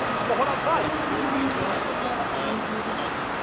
A ma' hwnna'n fine, dwi'n yn meindio hwnna o gwbwl. Yym, ond…